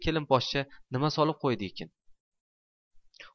kelinposhsha nima solib qo'ydiykin